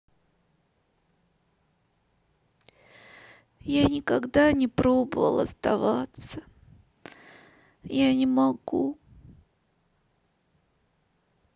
я никогда не пробовал оставаться я не могу